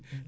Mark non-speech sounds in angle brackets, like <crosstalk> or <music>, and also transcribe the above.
<hesitation>